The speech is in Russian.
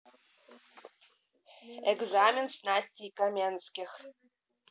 экзамен с настей каменских